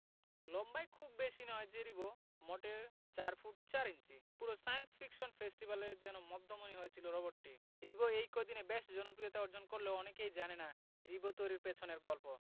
লম্বায় খুব বেশি নয় যে রিবো মোটে ৪ ফুট ৪ ইঞ্চি পুরো সায়েন্স ফিকশন ফেস্টিভ্যালে যেন মধ্যমণি হয়েছিল রোবটটি রিবো এই কদিনে বেশ জনপ্রিয়তা অর্জন করলেও অনেকেই জানেন না রিবো তৈরির পেছনের গল্প